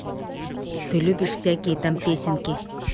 ты любишь всякие там песенки